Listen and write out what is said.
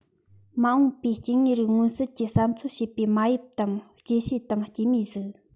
མ འོངས པའི སྐྱེ དངོས རིགས མངོན གསལ གྱི བསམ ཚོད བྱས པའི མ དབྱིབས དང སྐྱེད བྱེད དང སྐྱེད མའི གཟུགས